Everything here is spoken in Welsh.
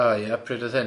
O ie pryd oedd hyn?